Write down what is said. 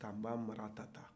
tantamaratata